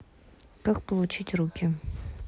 как получить руки